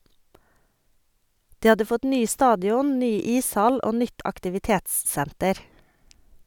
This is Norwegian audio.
De hadde fått ny stadion, ny ishall og nytt aktivitets-senter.